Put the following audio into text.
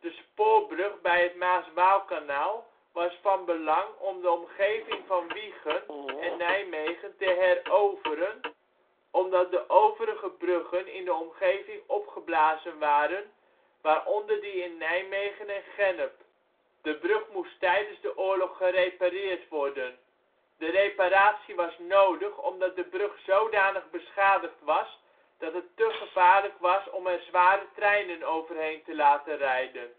spoorbrug bij het Maas-Waalkanaal was van belang om de omgeving van Wijchen en Nijmegen te heroveren omdat de overige bruggen in de omgeving opgeblazen waren, waaronder die in Nijmegen en Gennep. De brug moest tijdens de oorlog gerepareerd moest worden. De reparatie was nodig omdat de brug zodanig beschadigd was dat het te gevaarlijk was om er zware treinen overheen te laten rijden